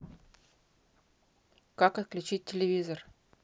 как отключить телевизор